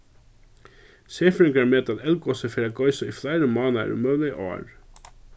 serfrøðingar meta at eldgosið fer at goysa í fleiri mánaðir og møguliga ár